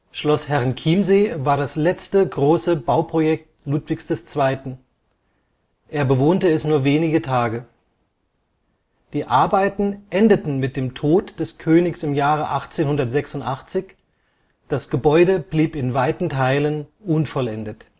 Schloss Herrenchiemsee war das letzte große Bauprojekt Ludwigs II., er bewohnte es nur wenige Tage. Die Arbeiten endeten mit dem Tod des Königs 1886, das Gebäude blieb in weiten Teilen unvollendet